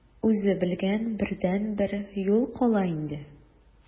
Үзе белгән бердәнбер юл кала инде.